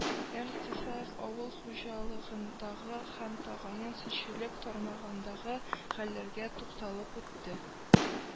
Эрнст Исаев авыл хуҗалыгындагы һәм тәгаен сөтчелек тармагындагы хәлләргә тукталып үтте